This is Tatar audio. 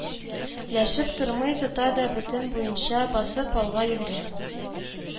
Ләшеп тормый, тота да бөтен буена басып алга йөгерә